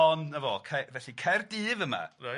Ond 'na fo, cae- felly Caerdyf yma... Reit...